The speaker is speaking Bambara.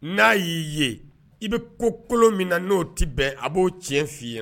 N'a y'i ye i bɛ ko kolo min na n'o tɛ bɛn a b'o cɛn f' ii ye